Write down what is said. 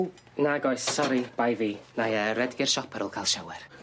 Ww nag oes, sori, bai fi nâi yy redeg i'r siop ar ôl ca'l shower.